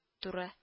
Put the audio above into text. Туры